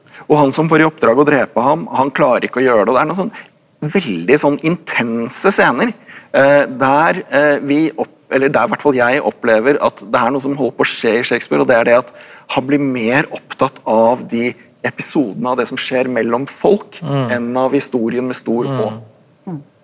og han som får i oppdrag å drepe ham han klarer ikke å gjøre det og det er noe sånn veldig sånn intense scener der vi eller der hvert fall jeg opplever at det er noe som holder på å skje i Shakespeare og det er det at han blir mer opptatt av de episodene av det som skjer mellom folk enn av historien med stor H.